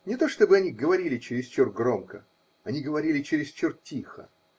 Не то, чтобы они говорили чересчур громко: они говорили чересчур тихо.